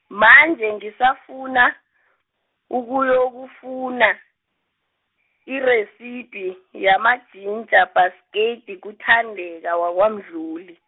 manje ngisafuna, ukuyokufuna, -residi, yamajinja bhasketi kuThandeka waKwaMdluli.